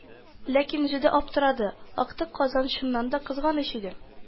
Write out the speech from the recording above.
Ләкин үзе дә аптырады: актык казан чыннан да кызганыч иде